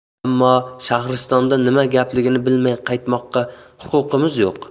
ammo shahristonda nima gapligini bilmay qaytmoqqa huquqimiz yo'q